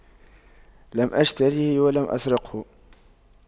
لم أشتريه ولم أسرقه